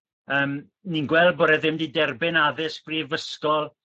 yym ni'n gweld bod e ddim 'di derbyn addysg Brifysgol